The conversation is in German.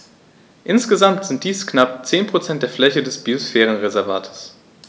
Insgesamt sind dies knapp 10 % der Fläche des Biosphärenreservates.